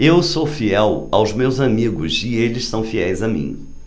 eu sou fiel aos meus amigos e eles são fiéis a mim